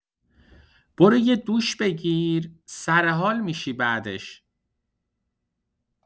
برو یه دوش بگیر، سر حال می‌شی بعدش!